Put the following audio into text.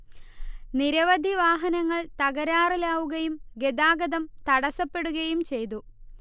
നിരവധി വാഹനങ്ങൾ തകരാറിലാവുകയും ഗതാഗതം തടസപ്പെടുകയും ചെയ്തു